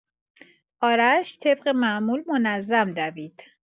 آرش طبق معمول منظم دوید.